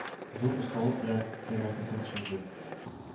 Зур осталык белән тәмәкесен төшерде.